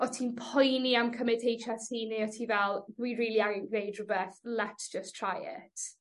o' ti'n poeni am cymyd Heitch Are Tee ne' o' ti fel dwi rili angen gneud rwbeth, lets jyst try it?